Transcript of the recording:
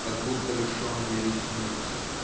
как будто лишенные ресниц